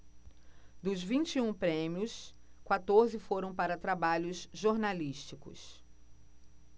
dos vinte e um prêmios quatorze foram para trabalhos jornalísticos